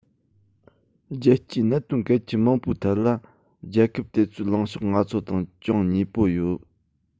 རྒྱལ སྤྱིའི གནད དོན གལ ཆེན མང པོའི ཐད ལ རྒྱལ ཁབ དེ ཚོའི ལངས ཕྱོགས ང ཚོ དང ཅུང ཉེ པོ ཡོད